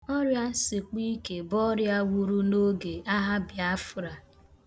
Ọrịansekpọike bụ ọrịa wuru n'oge agha biafra